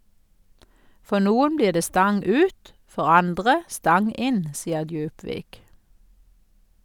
For noen blir det stang ut, for andre stang inn, sier Djupvik.